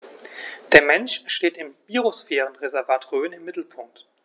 Der Mensch steht im Biosphärenreservat Rhön im Mittelpunkt.